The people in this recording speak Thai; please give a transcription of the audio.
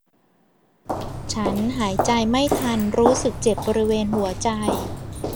ฉันหายใจไม่ทันรู้สึกเจ็บบริเวณหัวใจ